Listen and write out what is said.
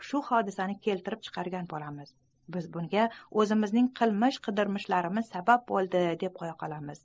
shu hodisani keltirib chiqargan bolamiz biz bunga ozimizning qilmish qidirmishlarimiz sabab boldi deb ham qoyamiz